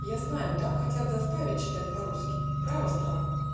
Я знаю: дам хотят заставить Читать по-русски. Право, страх!